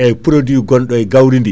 eyyi produit gonɗo egawri ndi